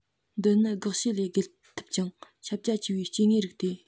འདི ནི གེགས བྱེད ལས བརྒལ ཐུབ ཅིང ཁྱབ རྒྱ ཆེ བའི སྐྱེ དངོས རིགས ཏེ